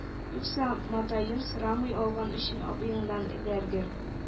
Юкса матаен сорамый алган өчен абыеңнан эләгер